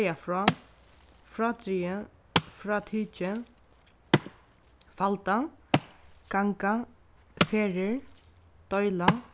draga frá frádrigið frátikið falda ganga ferðir deila